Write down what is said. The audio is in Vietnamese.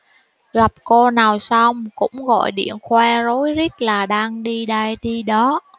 gặp cô nào xong cũng gọi điện khoe rối rít là đang đi đây đi đó